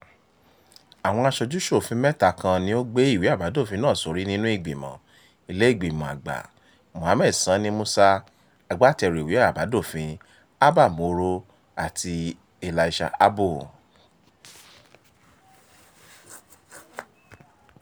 Àwọn aṣojú-ṣòfin mẹ́ta kan ni ó gbé ìwé àbádòfin náà sórí nínú ìgbìmọ̀, ilé ìgbìmọ̀ àgbà: Mohammed Sani Musa (agbátẹrùu ìwé àbádòfin), Abba Moro àti Elisha Abbo.